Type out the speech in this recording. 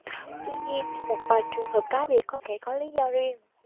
tuy nhiên một vài trường hợp cá biệt có thể có lý do riêng